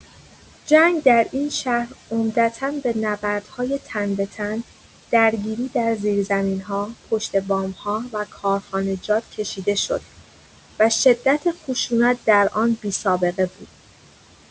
جنگ در این شهر عمدتا به نبردهای تن‌به‌تن، درگیری در زیرزمین‌ها، پشت بام‌ها و کارخانجات کشیده شد و شدت خشونت در آن بی‌سابقه بود.